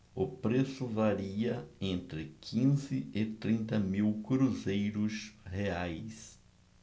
o preço varia entre quinze e trinta mil cruzeiros reais